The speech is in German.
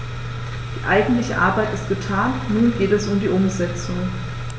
Die eigentliche Arbeit ist getan, nun geht es um die Umsetzung.